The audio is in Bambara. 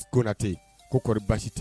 Konatɛ koɔri basi tɛ